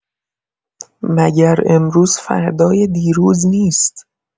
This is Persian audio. مگر امروز فردای دیروز نیست؟